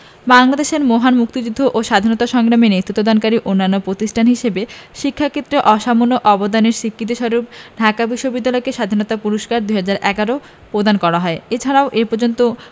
বাংলাদেশের মহান মুক্তিযুদ্ধ ও স্বাধীনতা সংগ্রামে নেতৃত্বদানকারী অনন্য প্রতিষ্ঠান হিসেবে শিক্ষা ক্ষেত্রে অসামান্য অবদানের স্বীকৃতিস্বরূপ ঢাকা বিশ্ববিদ্যালয়কে স্বাধীনতা পুরস্কার ২০১১ প্রদান করা হয় এছাড়াও এ পর্যন্ত